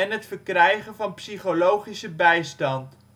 het verkrijgen van psychologische bijstand